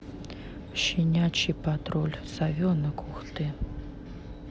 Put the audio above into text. щенячий патруль совенок ух ты